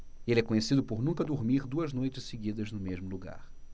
ele é conhecido por nunca dormir duas noites seguidas no mesmo lugar